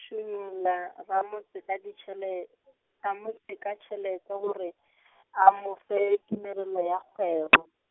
šunyolla ramotse ka di tšhele, ramotse ka tšhelete gore , a mo fe tumelelo ya kgwebo.